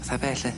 Fatha be' lly?